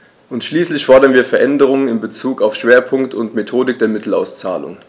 Und schließlich fordern wir Veränderungen in bezug auf Schwerpunkt und Methodik der Mittelauszahlung.